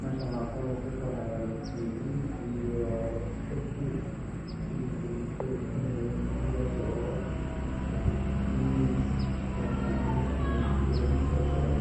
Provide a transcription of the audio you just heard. Halkaan waxaa ka muuqdo fadhi guduud iyo cadaan iskugu jiro television mesha wuu